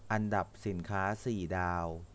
อันดับสินค้าสี่ดาว